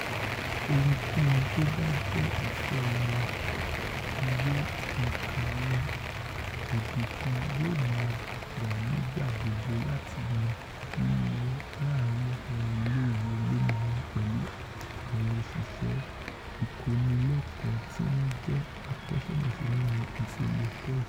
Ohunkóhun tóbájẹ́ ìfẹ́ ọmọ rẹ, iye òǹkà àwọn èdè kan yóò máa wà nigba gbogbo láti yàn nínú wọn láàrim àwọn ilé-iwé olómìnira, pẹ̀lú àwọn òṣìṣẹ́ ìkọ́nilẹ́kọ̀ọ́ tíwọ́n jẹ́ akọ́ṣẹ́mọṣẹ́ nínú ipele ẹ̀kọ́ yìí.